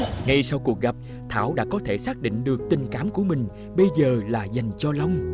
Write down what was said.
ngay sau cuộc gặp thảo đã có thể xác định được tình cảm của mình bây giờ là dành cho long